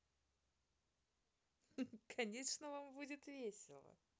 конечно вам будет весело